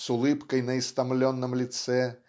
с улыбкой на истомленном лице